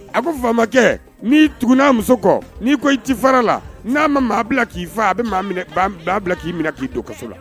A ko faamakɛ n'i tugu n'a muso kɔ n'i ko i ci fara la n'a ma maa bila k'i faa a bɛ bila k'i minɛ k'i don ka la